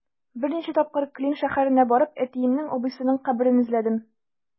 Берничә тапкыр Клин шәһәренә барып, әтиемнең абыйсының каберен эзләдем.